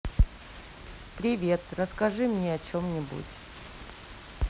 привет расскажи мне о чем нибудь